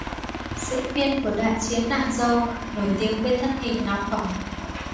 diễn viên của đại chiến nàng dâu nổi tiếng với thân hình nóng bỏng